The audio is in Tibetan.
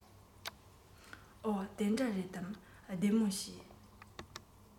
འོ དེ འདྲ རེད དམ བདེ མོ བྱོས